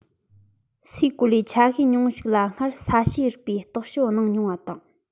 སའི གོ ལའི ཆ ཤས ཉུང ངུ ཞིག ལ སྔར ས གཤིས རིག པའི རྟོག དཔྱོད གནང མྱོང བ དང